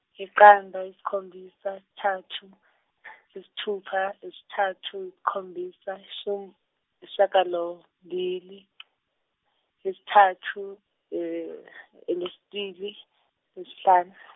yiqanda yisikhombisa yisithathu yisithupha yisithathu isikhombisa isha- ishagalombili yisithathu elesibili yisihlanu.